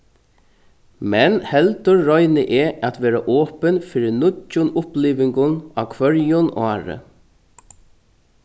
men heldur royni eg at vera opin fyri nýggjum upplivingum á hvørjum ári